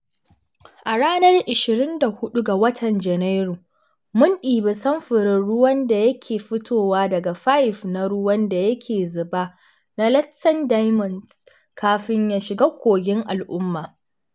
A ranar 24 ga watan Janairu, mun ɗibi samfurin ruwan da yake fitowa daga fayif na ruwan da yake zuba na Letšeng Diamonds kafin ya shiga kogin al'umma.